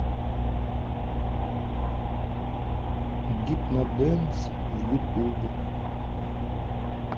гипнодэнс в ютубе